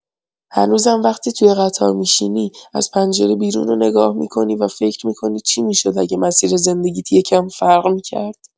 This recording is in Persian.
هنوزم وقتی توی قطار می‌شینی، از پنجره بیرونو نگاه می‌کنی و فکر می‌کنی چی می‌شد اگه مسیر زندگیت یه کم فرق می‌کرد؟